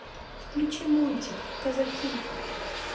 включи мультик казаки